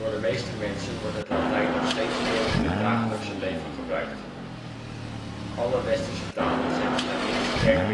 de meeste mensen wordt het Latijn nog steeds veel in het dagelijkse leven gebruikt. Alle Westerse talen zijn op zijn minst sterk